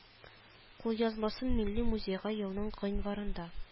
Кулъязмасын милли музейга елның гыйнварында